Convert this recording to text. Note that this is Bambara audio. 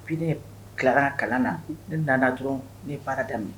Bi ne tilara kalan na ne nana dɔrɔn ne baara daminɛ